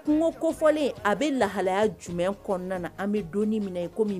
Kungo kofɔlen a bɛ lahalaya jumɛn kɔnɔna an bɛ don minɛ